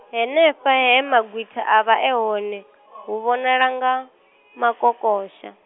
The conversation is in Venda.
henefha he magwitha avha e hone , hu vhonala nga, makokosha.